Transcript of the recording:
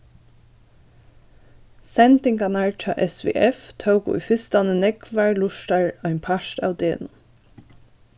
sendingarnar hjá svf tóku í fyrstani nógvar lurtarar ein part av degnum